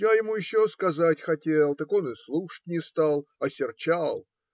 Я ему еще сказать хотел, так он и слушать не стал. Осерчал.